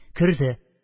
Керде